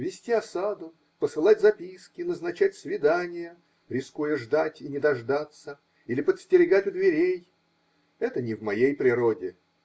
Вести осаду, посылать записки, назначать свидания, рискуя ждать и не дождаться, или подстерегать у дверей -- это не в моей природе.